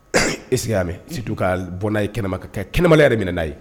Est ce que e ya mɛn. surtout ka bɔ na ye kɛnɛma ka taa. Kɛnɛmana yɛrɛ bɛ na na ye.